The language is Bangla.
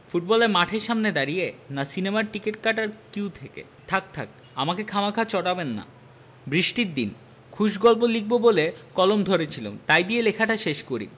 ফুটবলে মাঠের সামনে দাঁড়িয়ে না সিনেমার টিকিট কাটার কিউ থেকে থাক্ থাক্ আমাকে খামাখা চটাবেন না বৃষ্টির দিন খুশ গল্প লিখব বলে কলম ধরেছিলুম তাই দিয়ে লেখাটা শেষ করি